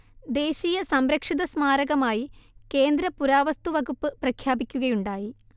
ദേശീയ സംരക്ഷിതസ്മാരകമായി കേന്ദ്ര പുരാവസ്തുവകുപ്പ് പ്രഖ്യാപിക്കുകയുണ്ടായി